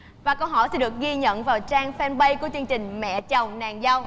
và câu hỏi sẽ được ghi nhận vào trang phan bây của chương trình mẹ chồng nàng dâu